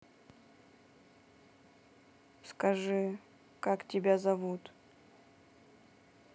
скажи как тебя зовут